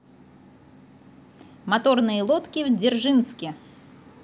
моторные лодки в дзержинске